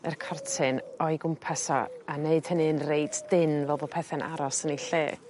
yr cortyn o'i gwmpas o a neud hynny'n reit dyn fel bo' pethe'n aros yn eu lle.